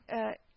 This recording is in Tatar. Э